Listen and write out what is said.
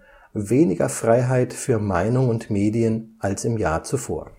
weniger Freiheit für Meinung und Medien als im Jahr zuvor